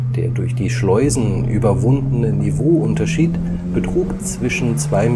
Der durch die Schleusen überwundene Niveauunterschied betrug zwischen 2,33